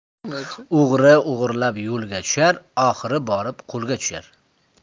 o'g'ri o'g'irlab yo'lga tushar oxiri borib qo'lga tushar